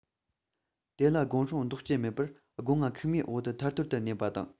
དེ ལ སྒོང སྲུང འདོག སྤྱད མེད པར སྒོ ང ཁུག མའི འོག ཏུ ཐར ཐོར དུ གནས པ དང